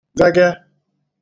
vege